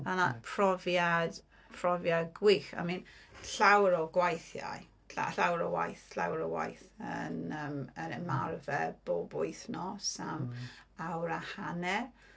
And that profiad... profiad gwych. I mean llawer o gweithiau... llawer o waith llawer o waith yn yym ymarfer bob wythnos am awr a hanner.